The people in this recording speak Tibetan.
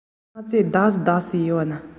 ཐོག ཏུ ཉལ བ ན འཇམ ལ དྲོད ཀྱང ཆེ